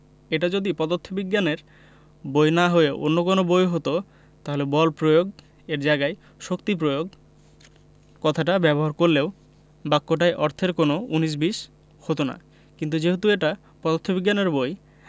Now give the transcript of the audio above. এটা যদি পদার্থবিজ্ঞানের বই না হয়ে অন্য কোনো বই হতো তাহলে বল প্রয়োগ এর জায়গায় শক্তি প্রয়োগ কথাটা ব্যবহার করলেও বাক্যটায় অর্থের কোনো উনিশ বিশ হতো না কিন্তু যেহেতু এটা পদার্থবিজ্ঞানের বই